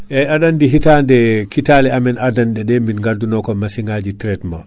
eyyi aɗa andi hitaade kitale amen adanɗeɗe min gadduno ko massiŋaji traitement